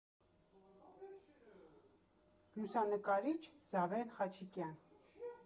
Լուսանկարիչ՝ Զավեն Խաչիկյան։